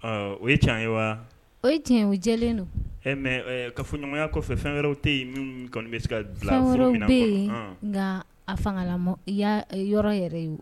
O ye tiɲɛ ye wa o ye tiɲɛ o jɛlen don mɛ kaa fɔɲɔgɔnya kɔfɛ fɛn wɛrɛw tɛ yen min kɔni bɛ se ka dilan bɛ yen nka a fangala yɔrɔ yɛrɛ ye